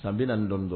An bɛ na dɔndɔ